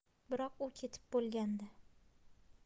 biroq u ketib bo'lgandi